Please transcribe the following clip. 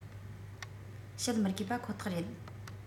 བཤད མི དགོས པ ཁོ ཐག རེད